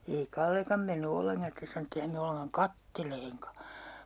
ei Kallekaan mennyt ollenkaan sitten sanoi että ei hän mene ollenkaan katselemaankaan